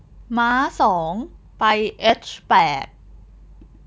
ม้าสองไปเอชแปด